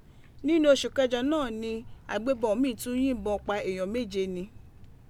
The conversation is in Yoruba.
Ninu oṣu kẹjọ kan naa ni agbebọn mii tun yinbọn pa eèyàn meje ni.